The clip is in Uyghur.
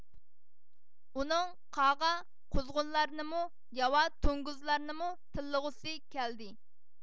ئۇنىڭ قاغا قۇزغۇنلارنىمۇ ياۋا توڭگۇزلارنىمۇ تىللىغۇسى كەلدى